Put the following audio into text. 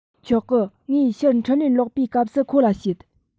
ཆོག གི ངས ཕྱིར འཕྲིན ལན ལོག པའི སྐབས སུ ཁོ ལ བཤད